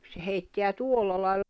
se heittää tuolla lailla